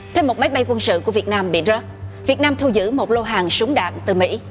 thêm một máy bay quân sự của việt nam bị rớt việt nam thu giữ một lô hàng súng đạn từ mỹ